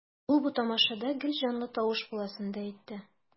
Ул бу тамашада гел җанлы тавыш буласын да әйтте.